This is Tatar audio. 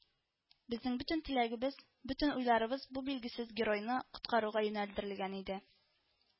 Безнең бөтен теләгебез, бөтен уйларыбыз бу билгесез геройны коткаруга юнәлдерелгән иде